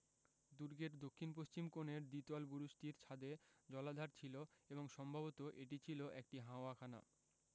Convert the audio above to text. দুর্গের দক্ষিণপশ্চিম কোণের দ্বিতল বুরুজটির ছাদে জলাধার ছিল এবং সম্ভবত এটি ছিল একটি হাওয়াখানা